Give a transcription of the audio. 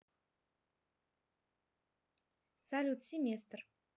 салют семестр